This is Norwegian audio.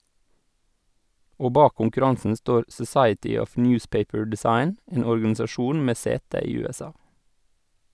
Og bak konkurransen står Society of Newspaper Design, en organisasjon med sete i USA.